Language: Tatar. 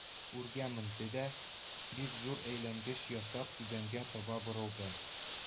Үргә менде дә. бик зур әйләнгеч ясап, түбәнгә таба борылды